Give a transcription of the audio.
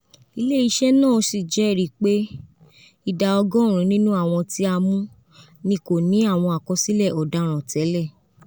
Ile iṣẹ naa ṣjẹri pe ida ọgọrun nínú awọn ti a mu ni koni awọn akọsilẹ ọdaran tẹlẹ.